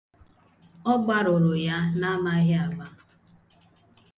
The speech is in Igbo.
Ọ gbarụrụ ya n'amaghị ama.